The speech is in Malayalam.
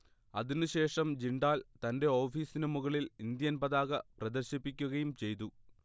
അതിനു ശേഷം ജിണ്ടാൽ തന്റെ ഓഫീസിനു മുകളിൽ ഇന്ത്യൻ പതാക പ്രദർശിപ്പിക്കുകയും ചെയ്തു